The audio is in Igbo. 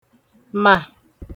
mà